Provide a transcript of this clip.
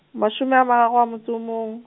mashome a mararo a motso o mong.